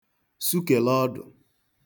sukèlụ ọ̀dụ̀